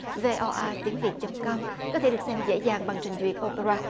vê o a tiếng việt chấm com có thể được xem dễ dàng bằng trình duyệt ô pê ra